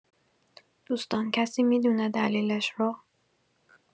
دوستان کسی می‌دونه دلیلش رو؟